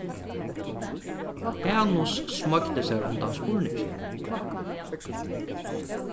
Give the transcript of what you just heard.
hanus smoygdi sær undan spurninginum